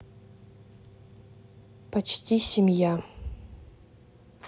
почти семья